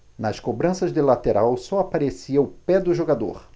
nas cobranças de lateral só aparecia o pé do jogador